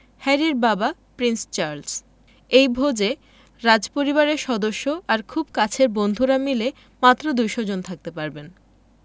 হ্যারির বাবা Prince Charles এই ভোজে রাজপরিবারের সদস্য আর খুব কাছের বন্ধুরা মিলে মাত্র ২০০ জন থাকতে পারবেন